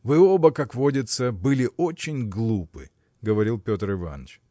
– Вы оба, как водится, были очень глупы, – говорил Петр Иваныч.